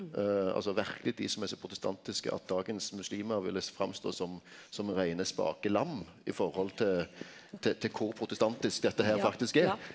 altså verkeleg dei som er så protestantiske at dagens muslimar ville framstå som som reine, spake lam i forhald til til til kor protestantisk dette her faktisk er.